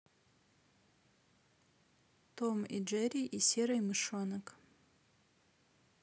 том и джерри и серый мышонок